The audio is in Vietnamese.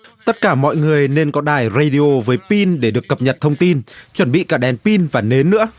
tất cả mọi người nên có đài rây đi ô với pin để được cập nhật thông tin chuẩn bị cả đèn pin và nến nữa